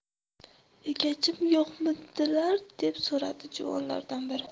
egachim yo'qmidilar deb so'radi juvonlardan biri